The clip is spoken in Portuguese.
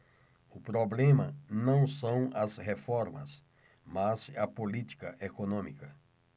o problema não são as reformas mas a política econômica